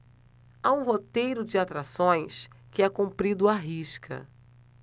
há um roteiro de atrações que é cumprido à risca